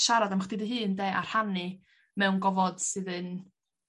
siarad am chdi dy hun 'de a rhannu mewn gofod sydd yn